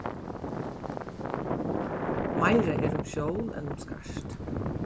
meira er um skjól enn um skart